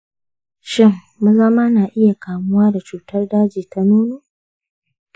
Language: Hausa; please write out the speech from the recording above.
shin maza ma na iya kamuwa da cutar daji ta nono ?